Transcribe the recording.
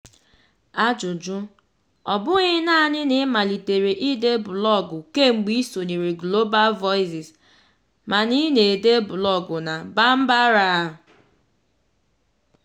Ajụjụ: Ọ bụghị naanị na ị malitere ịde blọọgụ kemgbe ị sonyere Global Voices, mana ị na-ede blọọgụ na Bambara!